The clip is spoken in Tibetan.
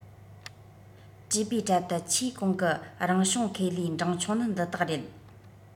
བཀྲུས པའི གྲལ དུ ཆེས གོང གི རང བྱུང ཁེ ལས འབྲིང ཆུང ནི འདི དག རེད